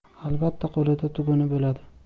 albatta qo'lida tuguni bo'ladi